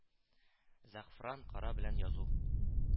Зәгъфран кара белән язу